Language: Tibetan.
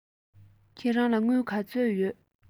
ཁྱེད རང ལ དངུལ ག ཚོད ཡོད